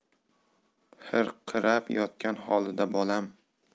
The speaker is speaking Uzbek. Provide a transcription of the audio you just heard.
hirqirab yotgan holida bolam